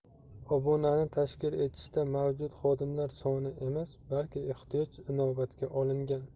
obunani tashkil etishda mavjud xodimlar soni emas balki ehtiyoj inobatga olingan